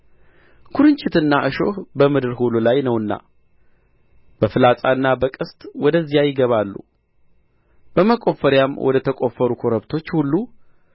ኵርንችትና እሾህ በምድር ሁሉ ላይ ነውና በፍላጻና በቀስት ወደዚያ ይገባሉ በመቈፈርያም ወደ ተቈፈሩ ኮረብቶች ሁሉ